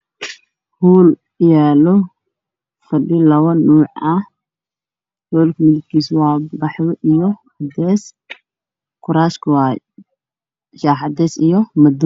Hool kuyaalo fadhi labo nooc ah